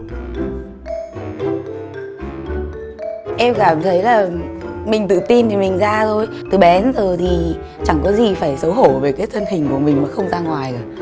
em cảm thấy là mình tự tin thì mình ra thôi từ bé tới giờ thì chả có gì phải xấu hổ với thân hìnhcủa mình mà không ra ngoài cả